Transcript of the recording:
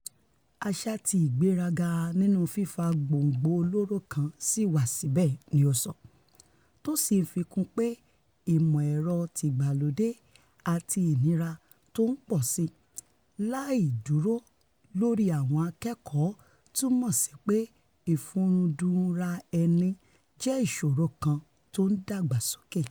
Àṣà ti ìgbéraga nínú 'fífa gbogbo-olóru kan' sì wà síbẹ̀, ni ó sọ, tó sì ńfi kún un pé ìmọ̀-ẹ̀rọ tìgbàlódé àti ìnira tó ńpọ̀síi láìdúró lórí àwọn akẹ̵́kọ̀ọ́ túmọ̀ síipé ìfoorundunara-ẹni jẹ́ ìṣòro kan tó ńdàgbàsókè.